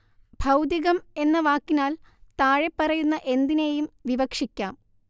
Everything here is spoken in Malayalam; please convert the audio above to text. ഭൗതികം എന്ന വാക്കിനാൽ താഴെപ്പറയുന്ന എന്തിനേയും വിവക്ഷിക്കാം